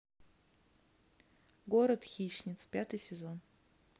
город хищниц пятый сезон